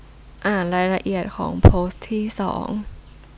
อ่านรายละเอียดของโพสต์ที่สอง